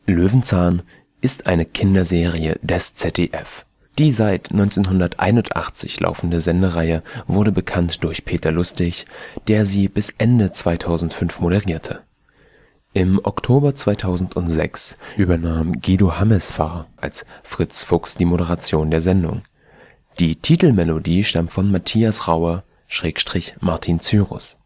Löwenzahn ist eine Kinderserie des ZDF. Die seit 1981 laufende Sendereihe wurde bekannt durch Peter Lustig, der sie bis Ende 2005 moderierte. Im Oktober 2006 übernahm Guido Hammesfahr als Fritz Fuchs die Moderation der Sendung. Die Titelmelodie stammt von Matthias Raue/Martin Cyrus